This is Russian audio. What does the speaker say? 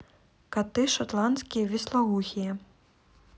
коты шотландские вислоухие